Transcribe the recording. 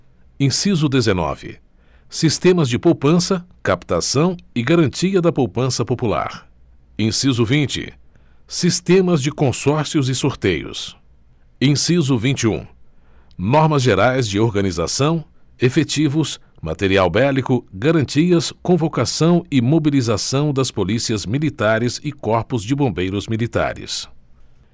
inciso dezenove sistemas de poupança captação e garantia da poupança popular inciso vinte sistemas de consórcios e sorteios inciso vinte e um normas gerais de organização efetivos material bélico garantias convocação e mobilização das polícias militares e corpos de bombeiros militares